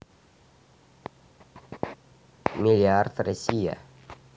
миллиард россия